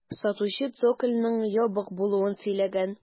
Сатучы цокольның ябык булуын сөйләгән.